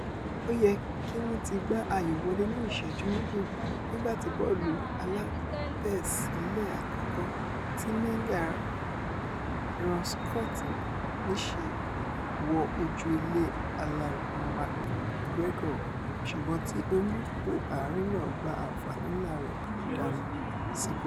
Ó yẹ kíwọ́n ti gbá ayò wọlé ní ìṣẹ́jú méji nígbà tí bọ́ọ̀lù aláàtẹ́sílẹ̀ àkọ́kọ́ ti Menga rán Scott níṣẹ́ wọ ojú ile Allan McGregor ṣùgbọ́n tí onípò-ààrin náà gbá àǹfààní ńlá rẹ̀ dànù sígbó.